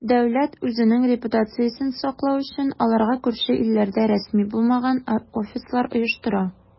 Дәүләт, үзенең репутациясен саклау өчен, аларга күрше илләрдә рәсми булмаган "офислар" оештыра.